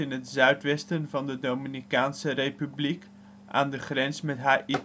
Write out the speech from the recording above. het zuidwesten van de Dominicaanse Republiek, aan de grens met Haïti